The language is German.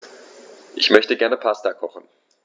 Ich möchte gerne Pasta kochen.